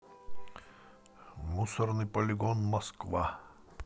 мусорный полигон москва